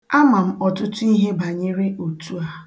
Ama m ọtụtụ ihe banyere otu a